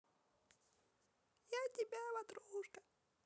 я тебя ватрушка